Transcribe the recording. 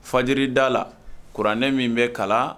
Fajirida la kuranɛ min bɛ kalan